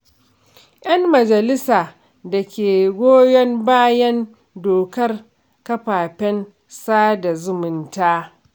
Yan majalisa da ke goyon bayan dokar kafafen sada zumunta